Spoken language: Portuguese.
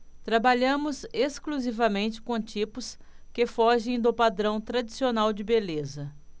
trabalhamos exclusivamente com tipos que fogem do padrão tradicional de beleza